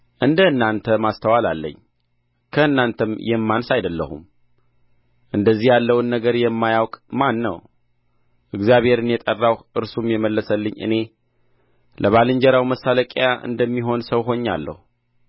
እንደ እናንተ ማስተዋል አለኝ ከእናንተም የማንስ አይደለሁም እንደዚህ ያለውን ነገር የማያውቅ ማን ነው እግዚአብሔርን የጠራሁ እርሱም የመለሰልኝ እኔ ለባልንጀራው መሳለቂያ እንደሚሆን ሰው ሆኛለሁ